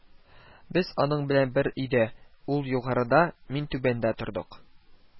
Без аның белән бер өйдә: ул югарыда, мин түбәндә тордык